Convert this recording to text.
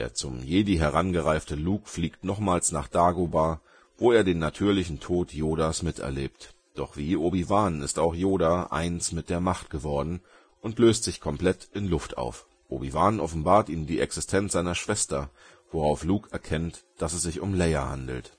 zum Jedi herangereifte Luke fliegt nochmals nach Dagobah, wo er den natürlichen Tod Yodas miterlebt. Doch wie Obi-Wan ist auch Yoda " Eins mit der Macht " geworden und löst sich komplett in Luft auf. Obi-Wan offenbart ihm die Existenz seiner Schwester, worauf Luke erkennt, dass es sich um Leia handelt